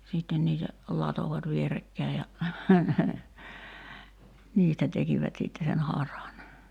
sitten niitä latoivat vierekkäin ja niistä tekivät sitten sen haran